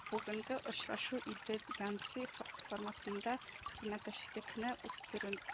Бүгенге очрашу “Идел-Янцзы” фо форматында хезмәттәшлекне үстерү